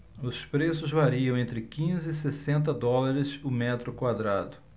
os preços variam entre quinze e sessenta dólares o metro quadrado